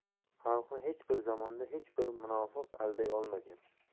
xalqni hech bir zamonda hech bir munofiq alday olmagan